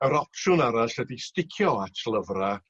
yr opsiwn arall ydi sticio at lyfra'